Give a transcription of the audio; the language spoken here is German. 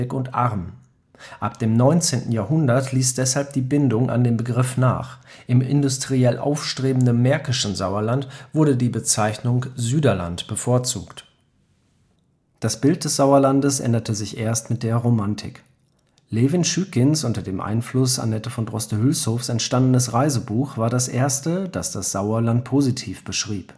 und arm. Ab dem 19. Jahrhundert ließ deshalb die Bindung an den Begriff nach; im industriell aufstrebenden märkischen Sauerland wurde die Bezeichnung Süderland bevorzugt. Das Bild des Sauerlands änderte sich erst mit der Romantik. Levin Schückings unter dem Einfluss Annette von Droste-Hülshoffs entstandenes Reisebuch war das erste, das das Sauerland positiv beschrieb